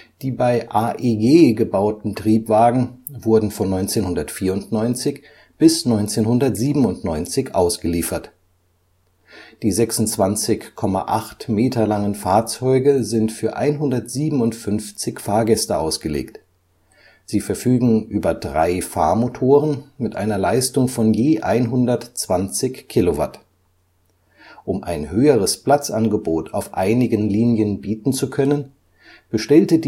Die bei AEG gebauten Triebwagen wurden von 1994 bis 1997 ausgeliefert. Die 26,8 Meter langen Fahrzeuge sind für 157 Fahrgäste ausgelegt. Sie verfügen über drei Fahrmotoren mit einer Leistung von je 120 Kilowatt. Um ein höheres Platzangebot auf einigen Linien bieten zu können, bestellte